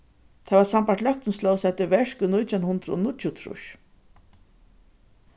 tað varð sambært løgtingslóg sett í verk í nítjan hundrað og níggjuogtrýss